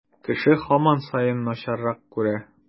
Кеше һаман саен начаррак күрә.